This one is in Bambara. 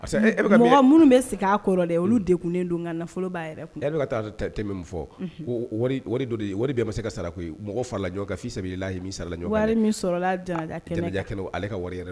Parce minnu bɛ segin kɔrɔ dɛ olu de tunnen don ka nafolo yɛrɛ ka taa tɛmɛ fɔ ko don de wari bɛ ma se ka mɔgɔ farajɔ ka i lahi sara wari min la ale ka wari yɛrɛ